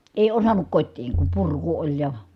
ei osannut kotiin kun purku oli ja